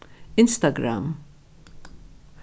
instagram